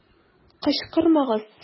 Кычкырмагыз!